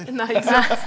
nei, ikke sant.